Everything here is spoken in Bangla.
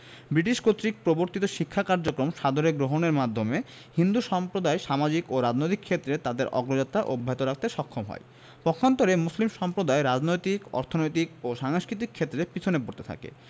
ব্রিটিশ কর্তৃক প্রবর্তিত শিক্ষা কার্যক্রম সাদরে গ্রহণের মাধ্যমে হিন্দু সম্প্রদায় সামাজিক ও রাজনৈতিক ক্ষেত্রে তাদের অগ্রযাত্রা অব্যাহত রাখতে সক্ষম হয় পক্ষান্তরে মুসলিম সম্প্রদায় রাজনৈতিক অর্থনৈতিক ও সাংস্কৃতিক ক্ষেত্রে পেছনে পড়ে থাকে